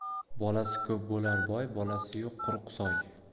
bolasi ko'p bo'lar boy bolasi yo'q quruq soy